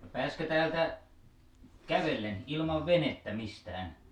pääsikö täältä kävellen ilman venettä mistään